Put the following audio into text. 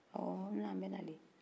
awɔ na n bɛnale